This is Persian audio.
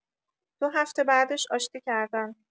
دو هفته بعدش آشتی کردن!